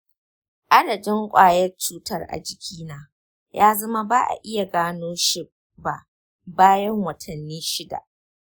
adadin ƙwayar cutar a jikina ya zama ba a iya gano shi ba bayan watanni shida.